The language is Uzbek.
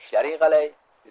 ishlaring qalay